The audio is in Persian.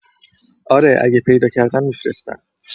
اره اگه پیدا کردم می‌فرستم